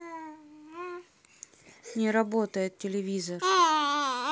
не работает телевизор